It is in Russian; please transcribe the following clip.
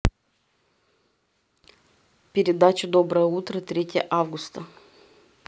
передача доброе утро третье августа